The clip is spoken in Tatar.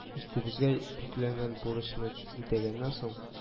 Өстебезгә йөкләнгән бурычны үтәгәннән соң